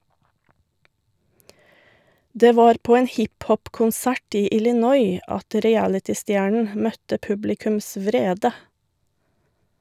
Det var på en hiphop-konsert i Illinois at realitystjernen møtte publikums vrede.